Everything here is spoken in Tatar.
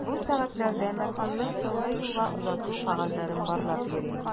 Бу сәгатьләрдә мәрхүмнең соңгы юлга озату кәгазьләрен барлап йөрим.